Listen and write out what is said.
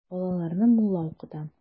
Балаларны мулла укыта.